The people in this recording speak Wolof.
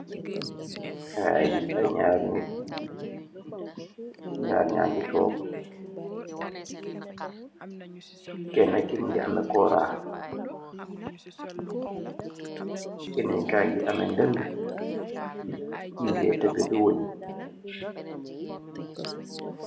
Ayy jareh neet , jarr yageh togg, kehna keeh mugeh emmeh korah , kenen kajeg emmeh denneh , mukeh tekah di waii.